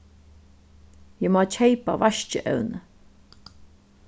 eg má keypa vaskievni